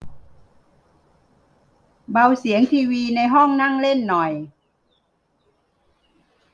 เบาเสียงทีวีในห้องนั่งเล่นหน่อย